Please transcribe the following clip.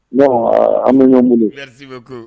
An bɛ bolo bɛ